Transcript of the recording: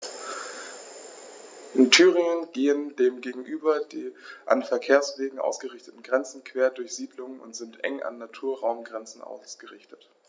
In Thüringen gehen dem gegenüber die an Verkehrswegen ausgerichteten Grenzen quer durch Siedlungen und sind eng an Naturraumgrenzen ausgerichtet.